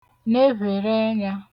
nevhère ẹnyā